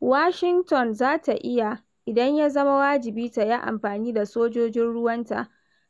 Washington za ta iya "idan ya zama wajibi" ta yi amfani da sojojin ruwanta